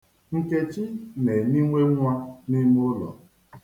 Nkechi na-eniwe nwa n'ime ụlọ.